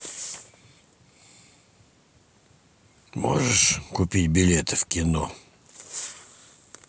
можешь купить билеты в кино